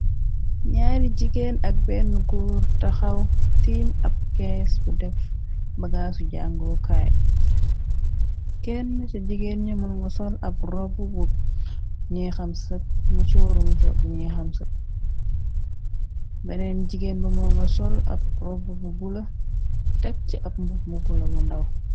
Naaryi jigeen ak benn góor taxaw tiim ab kees bu def bagaasu jàngoo kaay, kenn ci jigeen ñomoo nga sol ab robb bu ñexamsëk, musooru bu ñexamsëk. Beneen jigeen ba moo nga sol ab rob bu bula tek ci ab mbub mu bula mu ndaw.